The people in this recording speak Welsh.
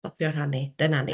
Stopio rhannu. Dyna ni.